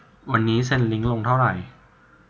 วันนี้เชนลิ้งลงเท่าไหร่